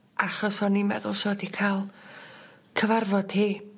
Achos o'n i'n meddwl sa o 'di ca'l cyfarfod hi.